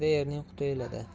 erning quti elida